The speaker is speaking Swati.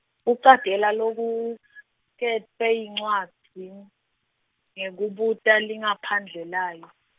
Kucagela lokuketfwe yincwadzi, ngekubuka lingaphandle layo.